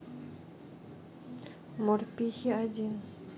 морпехи один